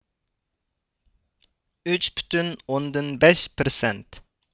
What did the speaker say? ئۈچ پۈتۈن ئوندىن بەش پىرسەنت